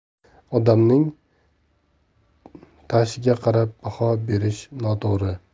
odamning tashiga qarab baho berish noto'g'ri